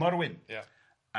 morwyn. Ia.